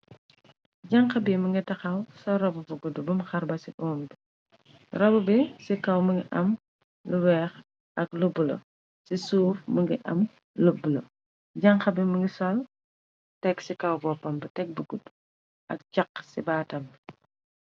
Janxa bi mu nga taxaw ca rabu bu gudd bum xarba ci um bi rabu bi ci kaw mungi am lu weex ak lubbula ci suuf mu nga am lubbula janxa bi mu ngi sol teg ci kaw boppam b teg bu gudd ak chaq ci baatambi.